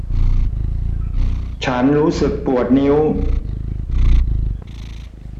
ฉันรู้สึกปวดนิ้ว